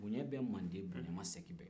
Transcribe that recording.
bonya bɛ mande bonya masegin bɛ mande